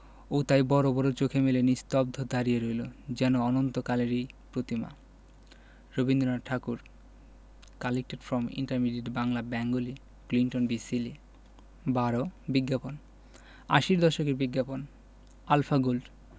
ও তাই বড় বড় চোখ মেলে নিস্তব্ধ দাঁড়িয়ে রইল যেন অনন্তকালেরই প্রতিমা Rabindranath Thakur collected from intermediate Bangla Bengali Clinton B silly ১২ বিজ্ঞাপন আশির দশকের বিজ্ঞাপন আলফা গোল্ড